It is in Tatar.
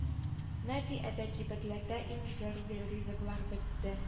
Нәти әдә кибетләрдә иң зарури ризыклар бетте